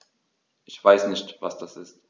Ich weiß nicht, was das ist.